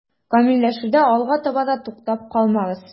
Камилләшүдә алга таба да туктап калмагыз.